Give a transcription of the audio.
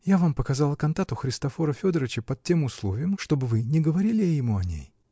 -- Я вам показала кантату Христофора Федорыча под тем условием, чтоб вы не говорили ему о ней.